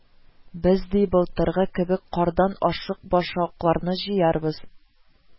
Без, ди, былтыргы кебек кардан ашлык башаклары җыярбыз